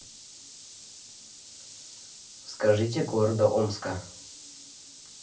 скажите города омска